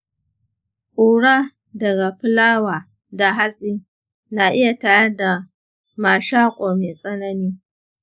ƙura daga fulawa da hatsi na iya tayar da mashako mai tsanani.